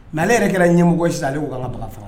Mais ale yɛrɛ kɛra ɲɛmɔgɔ sisan ale ko k'an k'a baga faga.